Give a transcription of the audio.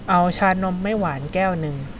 เอาชานมไม่หวานแก้วนึง